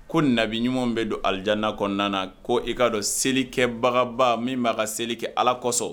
Ko nabi ɲumanw bɛ don ad kɔnɔna na ko i k'a dɔn seli kɛbagaba min'a ka seli kɛ ala kosɔn